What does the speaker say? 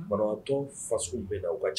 Bantɔ faso bɛna aw ka ca